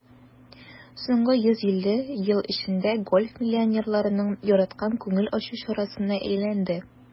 Соңгы 150 ел эчендә гольф миллионерларның яраткан күңел ачу чарасына әйләнде.